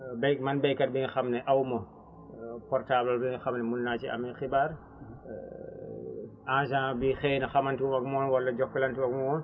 bay man baykat bi nga xam ne aw ma portable bi nga xam ne mun naa ci ame xibaar agent bi xëy na xamante woo ak moom wala jokkalante woo ak moom